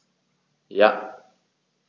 Ja.